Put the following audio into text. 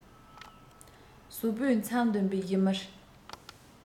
ཟོག པོའི མཚམ འདོན པའི བཞུ མར